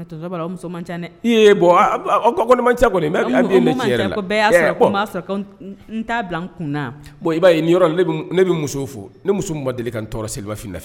Cɛ'a n n kun i b'a ye ni yɔrɔ ne bɛ muso fo ne muso ma deli ka n tɔɔrɔ sefin fɛ